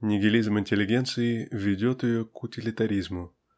Нигилизм интеллигенции ведет ее к утилитаризму